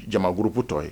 Jamaurup tɔ ye